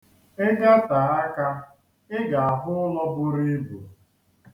Ị gatee aka, ị ga-ahụ ụlọ buru ibu.